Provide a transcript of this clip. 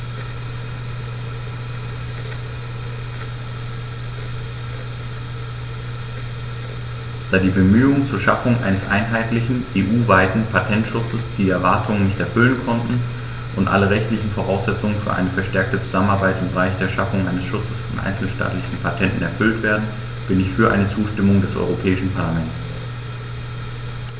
Da die Bemühungen zur Schaffung eines einheitlichen, EU-weiten Patentschutzes die Erwartungen nicht erfüllen konnten und alle rechtlichen Voraussetzungen für eine verstärkte Zusammenarbeit im Bereich der Schaffung eines Schutzes von einzelstaatlichen Patenten erfüllt werden, bin ich für eine Zustimmung des Europäischen Parlaments.